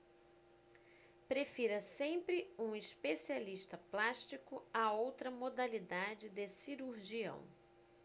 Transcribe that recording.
prefira sempre um especialista plástico a outra modalidade de cirurgião